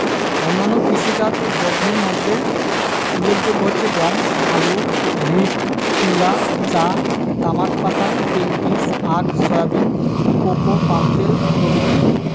অন্যান্য কৃষিজাত দ্রব্যের মধ্যে উল্লেখযোগ্য হচ্ছে গম আলু রীট তুলা চা তামাক পাতা তেলবীজ আখ সয়াবিন কোকো পামতেল প্রভৃতি